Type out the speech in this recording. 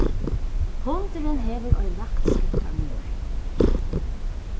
hundurin hevur oyðilagt skógvar mínar